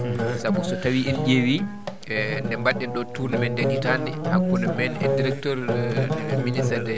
sabu so tawii en ƴeewi nde mbaɗɗen ɗo tourné men ndeen hitaande hakkude men e directeur minitére des